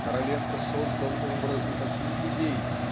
Короленко создал образы таких людей